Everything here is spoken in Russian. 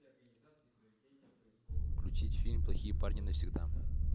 включи фильм плохие парни навсегда